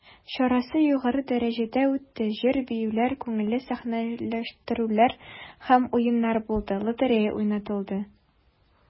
Чарасы югары дәрәҗәдә үтте, җыр-биюләр, күңелле сәхнәләштерүләр һәм уеннар булды, лотерея уйнатылды.